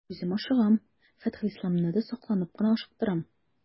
Үзем ашыгам, Фәтхелисламны да сакланып кына ашыктырам.